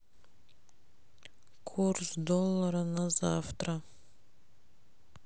курс доллара на завтра